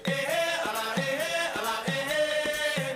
Ee alainɛ alainɛ